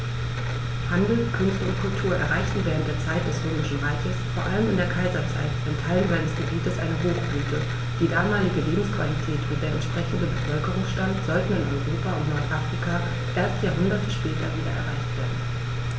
Handel, Künste und Kultur erreichten während der Zeit des Römischen Reiches, vor allem in der Kaiserzeit, in Teilen seines Gebietes eine Hochblüte, die damalige Lebensqualität und der entsprechende Bevölkerungsstand sollten in Europa und Nordafrika erst Jahrhunderte später wieder erreicht werden.